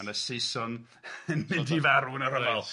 ...ma' na Saeson yn mynd i farw yn y rhyfel... Reit.